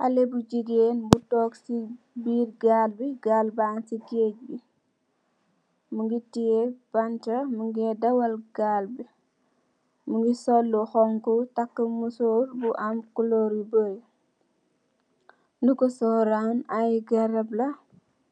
Halle bu jigeen bu took si biir gaal bi, gaal bang si geej bi, mungi tiyee banta, mungee dawal gaal bi, mungi sol lu honku, tak musoor bu am coloor yu bori, luko soround, aye garap la,